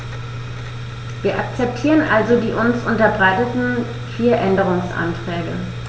Wir akzeptieren also die uns unterbreiteten vier Änderungsanträge.